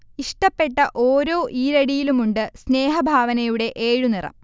ഇഷ്ടപ്പെട്ട ഓരോ ഈരടിയിലുമുണ്ട് സ്നേഹഭാവനയുടെ ഏഴു നിറം